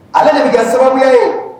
Ale de bi kɛ sababuya ye